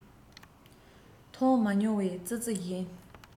མཐོང མ མྱོང བའི ཙི ཙི བཞིན